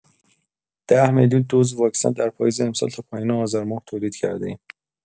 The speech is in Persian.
۱۰ میلیون دوز واکسن در پاییز امسال تا پایان آذر ماه تولید کرده‌ایم.